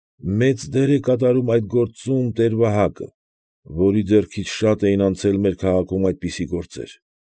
Մեծ դեր է կատարում այդ գործում տեր֊Վահակը, որի ձեռքից շատ էին անցել մեր քաղաքում այդպիսի գործեր։